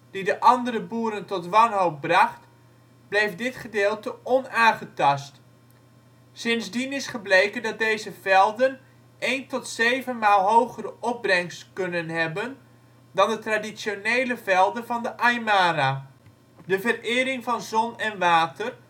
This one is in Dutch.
die de andere boeren tot wanhoop bracht, bleef dit gedeelte onaangetast. Sindsdien is gebleken dat deze velden een tot zeven maal hogere opbrengst kunnen hebben dan de traditionele velden van de Aymara. De verering van zon en water